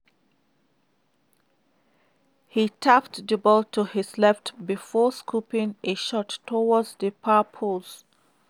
He tapped the ball to his left before scooping a shot toward the far post.